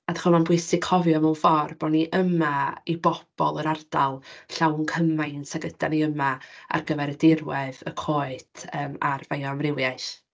A dach chimod mae'n bwysig cofio mewn ffordd bod ni yma i bobl yr ardal llawn cymaint ag ydan ni yma ar gyfer y dirwedd, y coed yym a'r beioamrywiaeth.